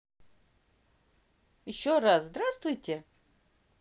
еще раз здравствуйте